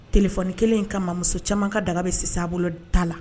Tfoni kelen in kama muso caman ka daga bɛ sisan a bolo da la